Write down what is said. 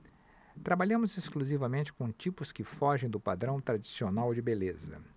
trabalhamos exclusivamente com tipos que fogem do padrão tradicional de beleza